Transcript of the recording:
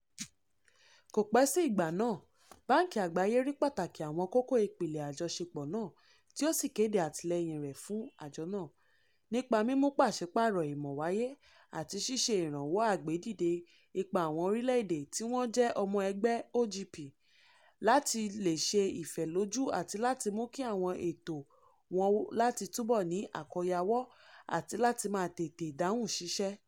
Kò pẹ́ sí ìgbà náà, Báǹkì Àgbáyé rí pàtàkì àwọn kókó ìpìlẹ̀ Àjọṣepọ̀ náà tí ó sì kéde àtìlẹ́yìn rẹ̀ fún àjọ náà "nípa mímú pàsípààrọ̀ ìmọ̀ wáyé àti ṣíṣe ìrànwọ́ àgbédìde ipá àwọn orílẹ̀-èdè tí wọ́n jẹ́ ọmọ-ẹgbẹ́ OGP láti lè ṣe ìfẹ̀lójú àti láti mú kí àwọn ètò wọn láti túbọ̀ ní àkóyawọ́ àti láti máa tètè dáhùn ṣiṣẹ́."